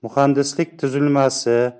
muhandislik tuzilmasi